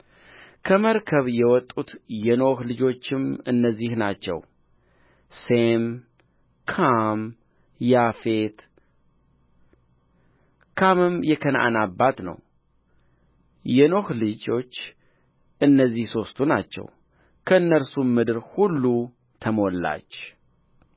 ከመርከብ የወጡት የኖኅ ልጆችም እነዚህ ናቸው ሴም ካም ያፌት ካምም የከነዓን አባት ነው የኖኅ ልጆች እነዚህ ሦስቱ ናቸው ከእነርሱም ምድር ሁሉ ተሞላች